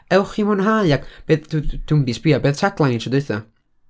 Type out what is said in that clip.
Ewch i mwynhau ac bedd- dw- dwi'm 'di sbio, be oedd tagline ni tro dwytha?